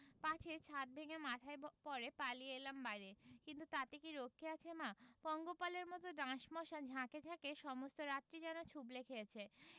পাছে ছাত ভেঙ্গে মাথায় পড়ে পালিয়ে এলাম বাইরে কিন্তু তাতেই কি রক্ষে আছে মা পঙ্গপালের মত ডাঁশ মশা ঝাঁকে ঝাঁকে সমস্ত রাত্রি যেন ছুবলে খেয়েছে